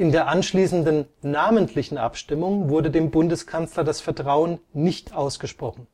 der anschließenden namentlichen Abstimmung wurde dem Bundeskanzler das Vertrauen nicht ausgesprochen